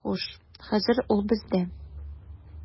Хуш, хәзер ул бездә.